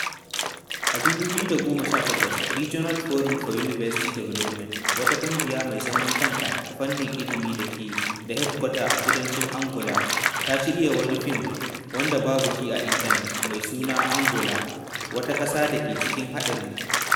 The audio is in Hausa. A 2018, Regional Forum for University Development (FORDU), wata ƙungiya mai zaman kanta a fannin ilimi dake da hedkwata a kudancin Angola, ta shirya wani fim (wanda babu shi a intanet) mai suna “Angola, wata ƙasa dake cikin haɗari”.